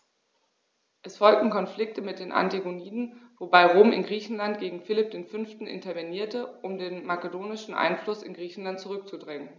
Es folgten Konflikte mit den Antigoniden, wobei Rom in Griechenland gegen Philipp V. intervenierte, um den makedonischen Einfluss in Griechenland zurückzudrängen.